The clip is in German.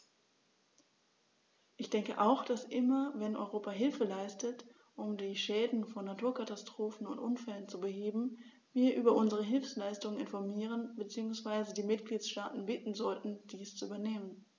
Ich denke auch, dass immer wenn Europa Hilfe leistet, um die Schäden von Naturkatastrophen oder Unfällen zu beheben, wir über unsere Hilfsleistungen informieren bzw. die Mitgliedstaaten bitten sollten, dies zu übernehmen.